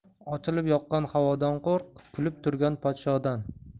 ochilib yoqqan havodan qo'rq kulib turgan podshodan